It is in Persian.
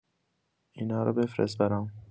اینا رو بفرست برام.